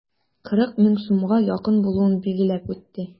40 мең сумга якын булуын билгеләп үтте.